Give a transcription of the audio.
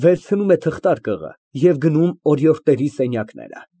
ԶԱՐՈՒՀԻ ֊ Ույ, օրիորդ, ինչպես է սազում, ինչպես։